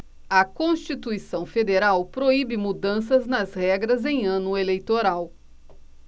a constituição federal proíbe mudanças nas regras em ano eleitoral